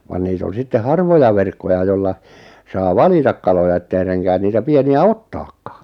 vaan niitä on sitten harvoja verkkoja jolla saa valita kaloja että ei renkää niitä pieniä ottaakaan